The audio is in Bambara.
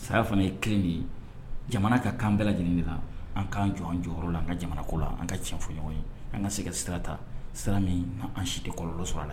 Saya fana ye 1 de ye jamana ka kan an bɛɛ lajɛlen de la an k'an jɔ an jɔyɔrɔ la an ka jamanako la an ka tiyɛn fɔ ɲɔgɔn ye an ka se ka sira ta sira min n'an si de kɔlɔlɔ sɔrɔ a la